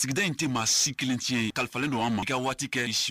Sigida in tɛ maa si kelen tiɲɛ ye kalifalen don a ma, i kɛ waati kɛ